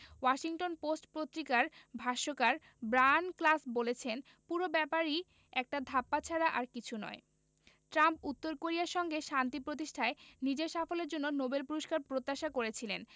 Washington Post পত্রিকার ভাষ্যকার Brian Klaas বলেছেন পুরো ব্যাপারই একটা ধাপ্পা ছাড়া আর কিছু নয় ট্রাম্প উত্তর কোরিয়ার সঙ্গে শান্তি প্রতিষ্ঠায় নিজের সাফল্যের জন্য নোবেল পুরস্কার প্রত্যাশা করেছিলেন